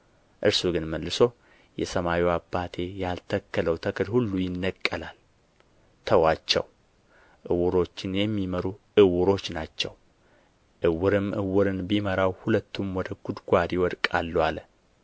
እርሱ ግን መልሶ የሰማዩ አባቴ ያልተከለው ተክል ሁሉ ይነቀላል ተዉአቸው ዕውሮችን የሚመሩ ዕውሮች ናቸው ዕውርም ዕውርን ቢመራው ሁለቱም ወደ ጉድጓድ ይወድቃሉ አለ